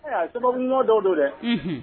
Ee sababu ɲuman dɔw don dɛ, unhun